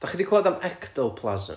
dach chi 'di clywad am ectoplasm?